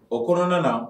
O kɔnɔna na